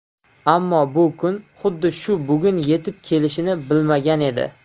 ammo bu kun xuddi shu bugun yetib kelishini bilmagan edi